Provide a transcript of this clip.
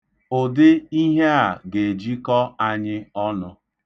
Ụdị ihe a ga-ejikọ(ta) anyị ọnụ.